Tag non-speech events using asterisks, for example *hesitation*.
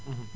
*hesitation* *hesitation*